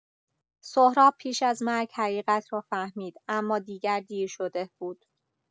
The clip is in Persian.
سهراب پیش از مرگ حقیقت را فهمید اما دیگر دیر شده بود.